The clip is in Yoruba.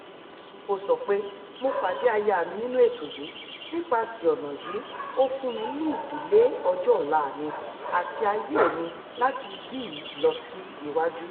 Ó s̵ọpé 'Mo pàde aya mi nínú ètò yìì, nípasè́ ọ̀nà yii ó fún mi ní ìdílé ọjọ́ ọ̀la mi, àti ayé mi láti ibí losi iwaju’